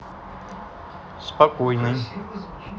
спокойной